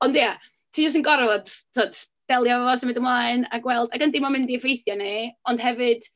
Ond ia, ti jyst yn gorfod, tibod, delio efo fo, symud ymlaen a gweld. Ac yndi, mae o'n mynd i effeithio arnon ni, ond hefyd...